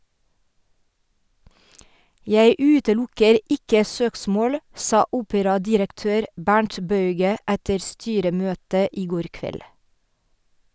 Jeg utelukker ikke søksmål, sa operadirektør Bernt Bauge etter styremøtet i går kveld.